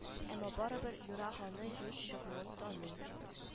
Әмма барыбер юра-ганы юш чыгуын таный